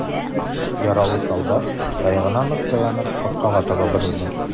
Яралы солдат, таягына нык таянып, капкага таба борылды.